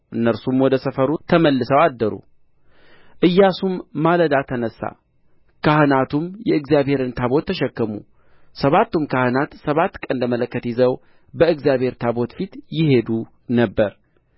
እነርሱም ወደ ሰፈሩ ተመልሰው አደሩ ኢያሱም ማለዳ ተነሣ ካህናቱም የእግዚአብሔርን ታቦት ተሸከሙ ሰባቱም ካህናት ሰባት ቀንደ መለከት ይዘው በእግዚአብሔር ታቦት ፊት ይሄዱ ነበር